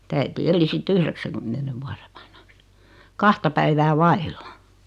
mutta äiti eli sitten yhdeksänkymmenen vuoden vanhaksi kahta päivää vailla